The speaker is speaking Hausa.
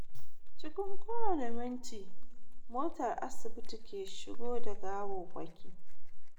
“Cikin kowane minti motar asibiti ke shigo da gawawaki.